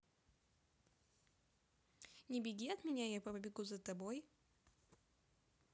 не беги от меня я побегу за тобой